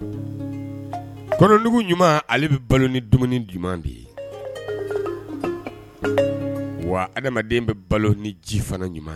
Dugu ɲuman ale bɛ balo ni dumuni ɲuman de ye wa adama bɛ balo ni ji fana ɲuman